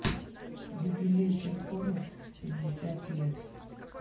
юбилей киркоров пятьдесят лет